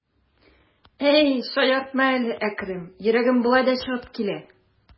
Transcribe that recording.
Әй, шаяртма әле, Әкрәм, йөрәгем болай да чыгып килә.